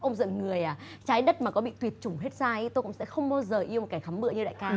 ông dở người à trái đất mà có bị tuyệt chủng hết giai ấy tôi cũng sẽ không bao giờ yêu một kẻ khắm bựa như đại ca